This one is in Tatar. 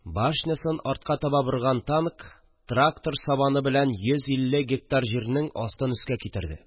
Башнясын артка таба борган танк трактор сабаны белән йөз илле гектар җирнең астын өскә китерде